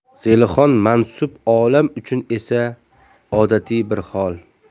zelixon mansub olam uchun esa odatiy bir hol